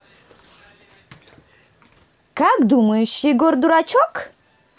как думаешь егор дурачок